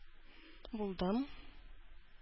Булдым